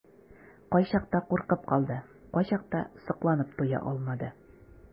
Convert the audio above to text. Кайчакта куркып калды, кайчакта сокланып туя алмады.